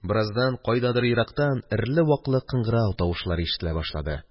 . бераздан кайдандыр ерактан эреле-ваклы кыңгырау тавышлары ишетелә башлады